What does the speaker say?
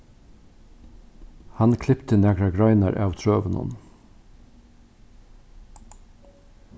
hann klipti nakrar greinar av trøunum